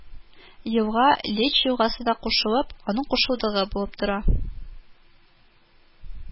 Елга Леч елгасына кушылып, аның кушылдыгы булып тора